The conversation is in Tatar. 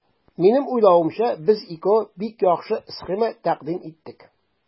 Минем уйлавымча, без икәү бик яхшы схема тәкъдим иттек.